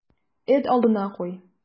Эт алдына куй.